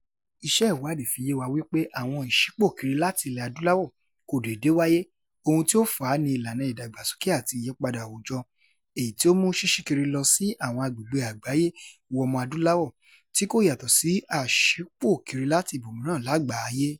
Iṣẹ́ ìwádìí fi yé wípé àwọn ìṣípòkiri láti Ilẹ̀-adúláwọ̀ kò déédéé wáyé, ohun tí ó fà á ni "ìlànà ìdàgbàsókè àti ìyípadà àwùjọ" èyí tí ó ń mú ṣíṣíkiri lọ sí àwọn agbègbè àgbáyé wu Ọmọ-adúláwọ̀ — tí kò yàtọ̀ sí aṣípòkiri láti ibòmìíràn lágbàáyé.